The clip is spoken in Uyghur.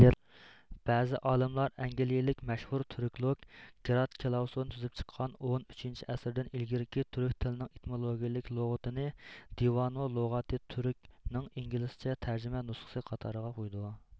بەزى ئالىملار ئەنگىلىيىلىك مەشھۇر تۈرۈكلوگ گېرارد كلاۋسون تۈزۈپ چىققان ئون ئۈچىنچى ئەسىردىن ئىلگىرىكى تۈرك تىلىنىڭ ئېتىمولوگىيىلىك لۇغىتى نى دىۋانۇ لۇغاتىت تۈرك نىڭ ئىنگلىزچە تەرجىمە نۇسخىسى قاتارىغا قويىدۇ